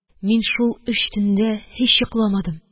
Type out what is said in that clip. Мин шул өч төндә һич йокламадым.